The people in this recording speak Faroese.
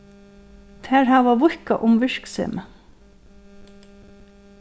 tær hava víðkað um virksemið